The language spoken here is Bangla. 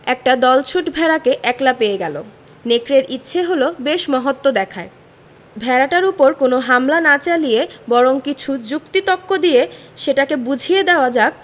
একটা দলছুট ভেড়াকে একলা পেয়ে গেল নেকড়ের ইচ্ছে হল বেশ মহত্ব দেখায় ভেড়াটার উপর কোন হামলা না চালিয়ে বরং কিছু যুক্তি তক্ক দিয়ে সেটাকে বুঝিয়ে দেওয়া যাক